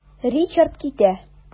Ричард китә.